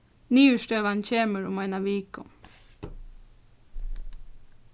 niðurstøðan kemur um eina viku